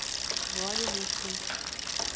ваня мышкин